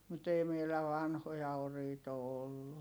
mutta ei meillä vanhoja oriita ole ollut